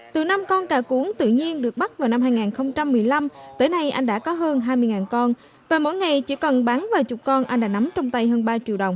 từ năm con cà cuống tự nhiên được bắt vào năm hai nghìn không trăm mười lăm tới nay anh đã có hơn hai mươi ngàn con và mỗi ngày chỉ cần bắn vài chục con anh đã nắm trong tay hơn ba triệu đồng